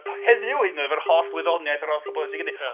Heddiw, hyd yn oed, efo'r holl wyddoniaeth ar holl wybodaeth sy gen-